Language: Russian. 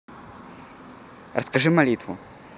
расскажи молитву